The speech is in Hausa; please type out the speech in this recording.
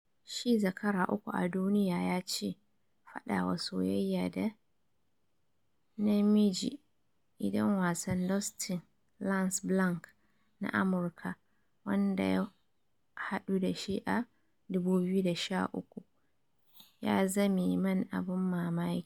Shi zakara uku a duniya ya ce fadawa soyaya da namij i-dan wasan Dustin Lance Black na Amurka, wanda ya hadu da shi a 2013 - "ya zame man abun mamaki."